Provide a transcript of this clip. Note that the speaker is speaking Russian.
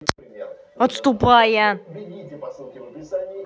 отступая